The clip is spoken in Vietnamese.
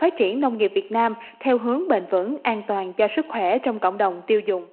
phát triển nông nghiệp việt nam theo hướng bền vững an toàn cho sức khỏe trong cộng đồng tiêu dùng